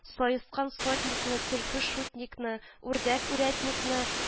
Саескан сотникны, төлке шутникны, үрдәк үрәтникны